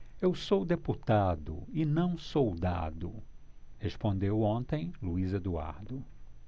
eu sou deputado e não soldado respondeu ontem luís eduardo